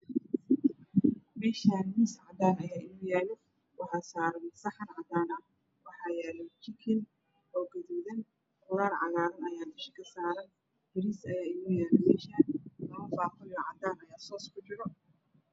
Meeshaan miis cadaan ah ayaa yaalo waxaa saaran saxan cadaan ah waxaa yaalo jikin oo gaduudan qudaar cagaaran ayaa dusha kasaaran. Bariis ayaa yaalo. Soos cadaan ah ayaa kujiro.